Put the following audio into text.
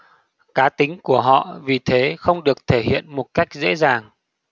cá tính của họ vì thế không được thể hiện một cách dễ dàng